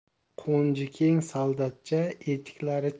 qo'nji keng soldatcha etiklari